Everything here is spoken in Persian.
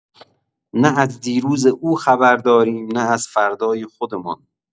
نه از دیروز او خبر داریم، نه از فردای خودمان